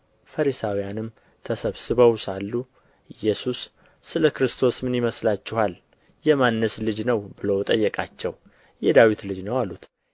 ፈሪሳውያንም ተሰብስበው ሳሉ ኢየሱስ ስለ ክርስቶስ ምን ይመስላችኋል የማንስ ልጅ ነው ብሎ ጠየቃቸው የዳዊት ልጅ ነው አሉት